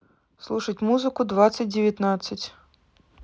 слушать музыку двадцать девятнадцать